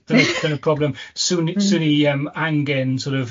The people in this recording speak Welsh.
Dyna dyna'r problem. 'Swn i- 'swn i yym angen sor' of yy